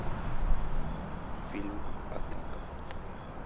фильм атака